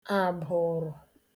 àbụ̀rụ̀